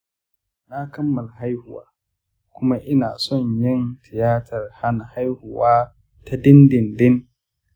na kammala haihuwa kuma ina son yin tiyatar hana haihuwa ta dindindin .